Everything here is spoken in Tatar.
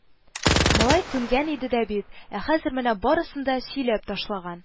Малай күнгән иде дә бит, ә хәзер менә барысын да сөйләп ташлаган